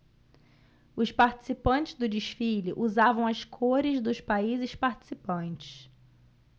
os participantes do desfile usavam as cores dos países participantes